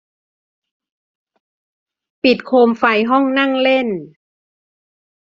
ปิดโคมไฟห้องนั่งเล่น